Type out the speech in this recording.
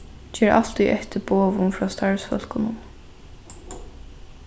ger altíð eftir boðum frá starvsfólkunum